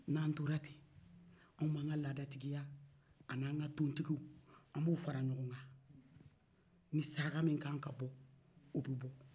n'an tora ten anw b'an ka laadatigiya a n'an ka tontigigi an b'u fara ɲɔgɔn kan ni saraka min ka kan ka bɔ o bɛ bɔ